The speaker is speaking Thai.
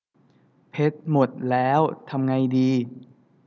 เพชรหมดแล้วทำไงดี